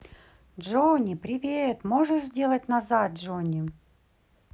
джонни привет можешь сделать назад джонни